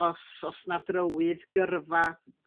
os o's na drywydd gyrfa